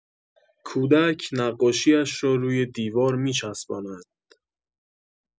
کودک نقاشی‌اش را روی دیوار می‌چسباند